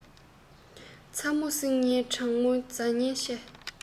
ཚ མོས བསྲེག ཉེན གྲང མོས རྫས ཉེན ཆེ